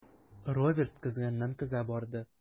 Роберт кызганнан-кыза барды.